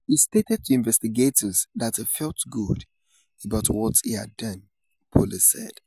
He stated to investigators that he felt good about what he had done, police said.